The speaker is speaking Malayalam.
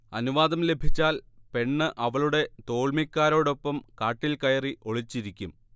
അനുവാദം ലഭിച്ചാൽ പെണ്ണ് അവളുടെ തോൾമിക്കാരോടൊപ്പം കാട്ടിൽകയറി ഒളിച്ചിരിക്കും